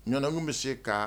Ɲɛna mun bɛ se ka